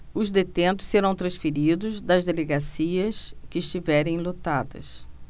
os detentos serão transferidos das delegacias que estiverem lotadas